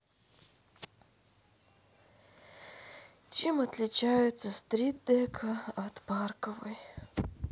чем отличается стрит дека от парковой